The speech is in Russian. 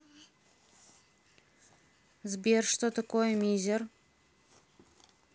сбер что такое мизер